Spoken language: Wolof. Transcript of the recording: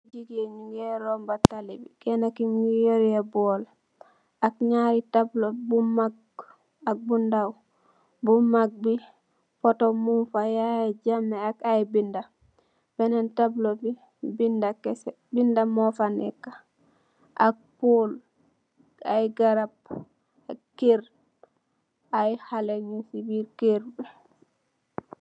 Jigeen nyu ge romba taly bi, kenna ki mingi yore bool, ak nyaari tabla, bu magg ag bu ndaw, bu magg bi foto mug fa, Yaya Jamme ak ay binda, benna tabla bi bindakese, binda mofa neka ak pol, ay garab, ak ker, ay xale nyun si biir ker bi